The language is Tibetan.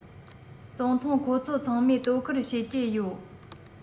ཙུང ཐུང ཁོ ཚོ ཚང མས དོ ཁུར བྱེད ཀྱི ཡོད